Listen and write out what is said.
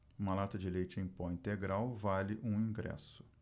uma lata de leite em pó integral vale um ingresso